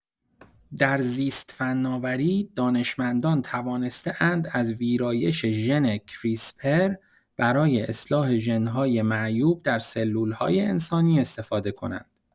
در زیست‌فناوری، دانشمندان توانسته‌اند از ویرایش ژن کریسپر برای اصلاح ژن‌های معیوب در سلول‌های انسانی استفاده کنند.